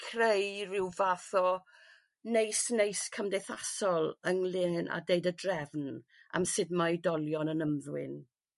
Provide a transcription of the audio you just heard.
creu rhyw fath o neis neis cymdeithasol ynglŷn â deud y drefn am sud ma' oedolion yn ymddwyn.